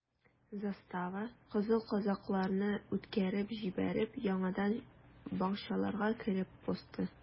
Застава, кызыл казакларны үткәреп җибәреп, яңадан бакчаларга кереп посты.